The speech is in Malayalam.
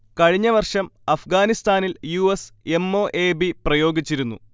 കഴിഞ്ഞ വർഷം അഫ്ഗാനിസ്ഥാനിൽ U. S. M. O. A. B. പ്രയോഗിച്ചിരുന്നു